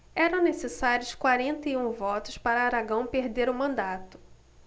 eram necessários quarenta e um votos para aragão perder o mandato